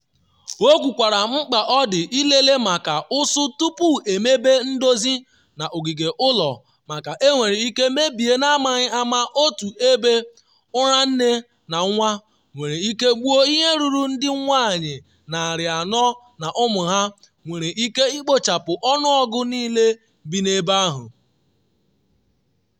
O kwukwara mkpa ọ dị ilele maka ụsụ tupu emebe ndozi n’ogige ụlọ maka enwere ike mebie n’amaghị ama otu ebe ụra nne na nwa, nwere ike gbuo ihe ruru ndị nwanyị 400 na ụmụ ha, nwere ike ikpochapu ọnụọgụ niile bi ebe ahụ.